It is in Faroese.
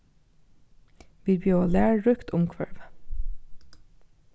vit bjóða læruríkt umhvørvi